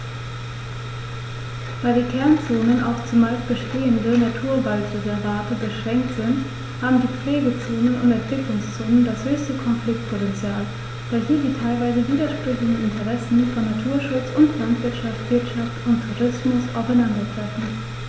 Da die Kernzonen auf – zumeist bestehende – Naturwaldreservate beschränkt sind, haben die Pflegezonen und Entwicklungszonen das höchste Konfliktpotential, da hier die teilweise widersprüchlichen Interessen von Naturschutz und Landwirtschaft, Wirtschaft und Tourismus aufeinandertreffen.